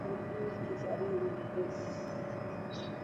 saddex tarmous